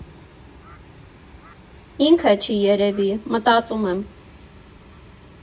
Ինքը չի երևի՝ մտածում եմ։